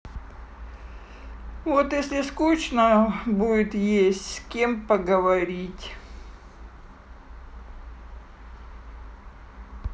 вот если скучно будет есть с кем поговорить